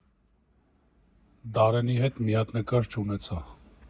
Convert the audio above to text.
Դարենի հետ մի հատ նկար չունեցա։